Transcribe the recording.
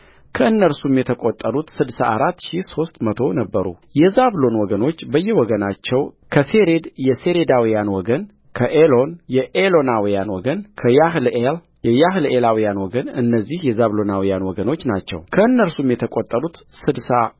ከእነርሱም የተቈጠሩት ስድሳ አራት ሺህ ሦስት መቶ ነበሩየዛብሎን ወገኖች በየወገናቸው ከሴሬድ የሴሬዳውያን ወገን ከኤሎን የኤሎናውያን ወገን ከያሕልኤል የያሕልኤላውያን ወገንእነዚህ የዛብሎናውያን ወገኖች ናቸው ከእነርሱም የተቈጠሩት ስድሳ